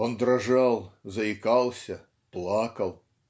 "Он дрожал, заикался, плакал